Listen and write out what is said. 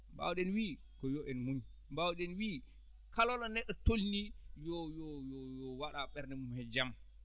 mbaawɗen wii ko yo en muuñ mbaawɗen wii kala ɗo neɗɗo toolnii yo yo yo waɗa ɓernde mum he jaam